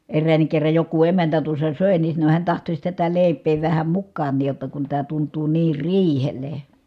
eräänkin kerran joku emäntä tuossa söi niin sanoi hän tahtoisi tätä leipää vähän mukaankin jotta kun tämä tuntuu niin riihelle